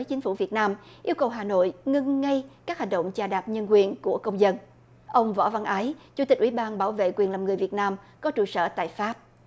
chính phủ việt nam yêu cầu hà nội ngưng ngay các hành động chà đạp nhân quyền của công dân ông võ văn ái chủ tịch ủy ban bảo vệ quyền làm người việt nam có trụ sở tại pháp